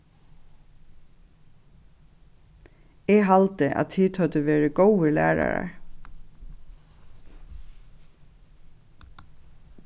eg haldi at tit høvdu verið góðir lærarar